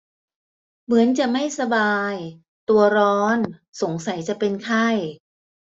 เหมือนจะไม่สบายตัวร้อนสงสัยจะเป็นไข้